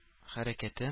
Хәрәкәте